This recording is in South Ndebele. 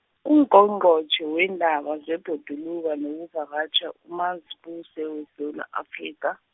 Ungqongqotjhe weendaba zebhoduluko nokuvakatjha, uMazibuse weSewula Afrika.